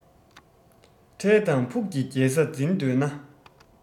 འཕྲལ དང ཕུགས ཀྱི རྒྱལ ས འཛིན འདོད ན